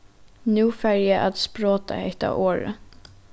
nú fari eg at sprota hetta orðið